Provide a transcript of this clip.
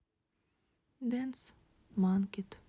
денс манкит